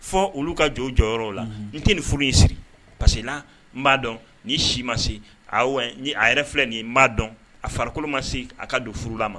Fɔ olu ka jɔ jɔyɔrɔ o la n tɛ nin furu in sigi parcela n m' dɔn' si ma se a a yɛrɛ filɛ nin' dɔn a farikolokolo ma se a ka don furula ma